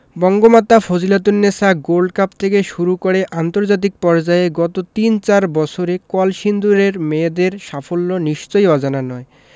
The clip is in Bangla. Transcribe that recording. বঙ্গমাতা ফজিলাতুন্নেছা গোল্ড কাপ থেকে শুরু করে আন্তর্জাতিক পর্যায়ে গত তিন চার বছরে কলসিন্দুরের মেয়েদের সাফল্য নিশ্চয়ই অজানা নয়